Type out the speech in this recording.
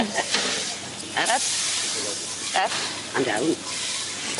Up. Up. And down.